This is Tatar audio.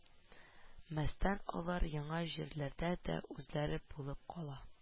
Мастан алар яңа җирләрдә дә үзләре булып кала